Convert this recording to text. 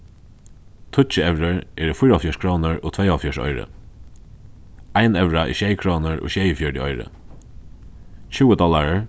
tíggju evrur eru fýraoghálvfjerðs krónur og tveyoghálvfjerðs oyru ein evra er sjey krónur og sjeyogfjøruti oyru tjúgu dollarar